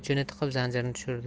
uchini tiqib zanjirni tushirdi